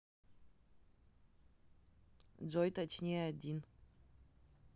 джой точнее один